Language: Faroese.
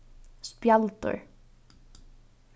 spjaldur